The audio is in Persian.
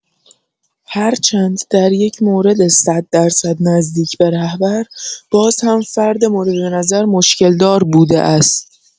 هرچند در یک مورد ۱۰۰ درصد نزدیک به رهبر، باز هم فرد مورد نظر مشکل‌دار بوده است.